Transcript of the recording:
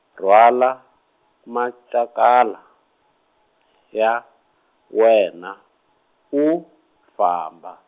rhwala, macakala, ya, wena, u, famba.